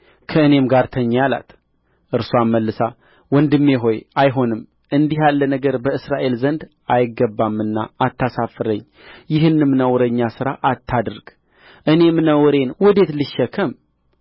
ከእኔም ጋር ተኚ አላት እርስዋ መልሳ ወንድሜ ሆይ አይሆንም እንዲህ ያለ ነገር በእስራኤል ዘንድ አይገባምና አታሳፍረኝ ይህንም ነውረኛ ሥራ አታድርግ እኔም ነውሬን ወዴት ልሸከም